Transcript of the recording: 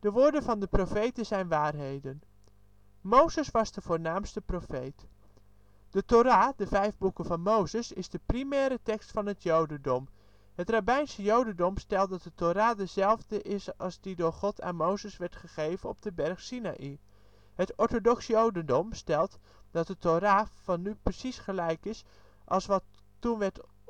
woorden van profeten zijn waarheden. Mozes was de voornaamste profeet. De Thora, de vijf boeken van Mozes, is de primaire tekst van het jodendom. Het Rabbijnse jodendom stelt dat de Thora dezelfde is als die door God aan Mozes werd gegeven op de berg Sinaï. Het Orthodoxe jodendom stelt dat de Thora van nu precies gelijk is als wat toen werd